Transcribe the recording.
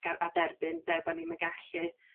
ga'l a derbyn 'de bo' ni'm yn gallu